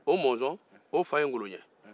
o mɔnzɔn o fa ye ngolo ye